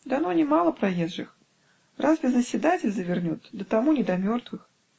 -- Да ноне мало проезжих; разве заседатель завернет, да тому не до мертвых.